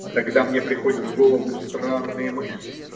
Тогда мне приходят в голову странные мысли.